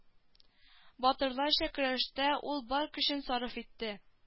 Батырларча көрәште ул бар көчен сарыф итеп